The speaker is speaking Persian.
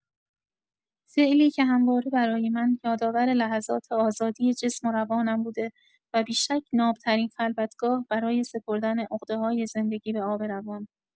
فعلی که همواره برای من یادآور لحظات آزادی جسم و روانم بوده و بی‌شک ناب‌ترین خلوتگاه، برای سپردن عقده‌های زندگی به آب روان.